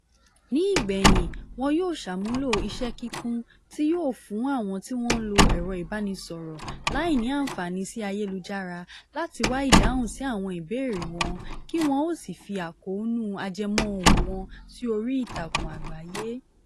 Ní ìgbẹ̀yìn, wọ́n yóò ṣàmúlò iṣẹ́ kíkún tí yóò fún àwọn tí wọ́n ń lo ẹ̀rọ ìbánisọ̀rọ̀ láì ní àǹfààní sí Ayélujára láti wá ìdáhùn sí àwọn ìbéèrè wọn kí wọn ó sì fi àkóónú ajẹmọ́ ohùn wọn sí orí ìtàkùn àgbáyé.